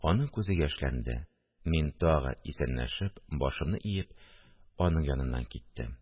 – аның күзе яшьләнде, мин тагын исәнләшеп, башымны иеп, аның яныннан киттем